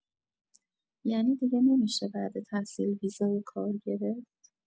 ینی دیگه نمی‌شه بعد تحصیل ویزای کار گرفت؟